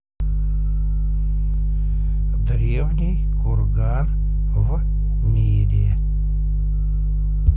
древний курган в мире